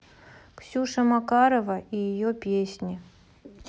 ксюша макарова и ее песни